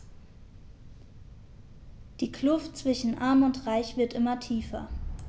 Die Kluft zwischen Arm und Reich wird immer tiefer.